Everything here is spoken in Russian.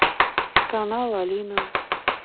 канал алина